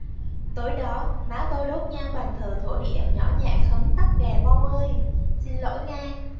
tối đó má tôi đốt nhang bàn thờ thổ địa nhỏ nhẹ khấn tắc kè bông ơi xin lỗi nghe